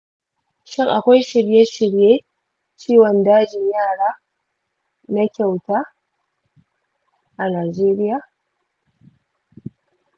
shin akwai shirye shirye ciwon dajin yara na kyauta a najeriya?